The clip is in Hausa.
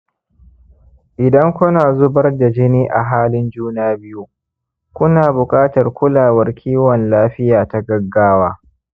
idan ku na zubar da jini a halin juna-biyu, ku na buƙatar kulawar kiwon-lafiya ta gaggawa